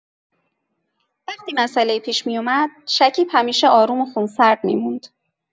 وقتی مسئله‌ای پیش می‌اومد، شکیب همیشه آروم و خونسرد می‌موند.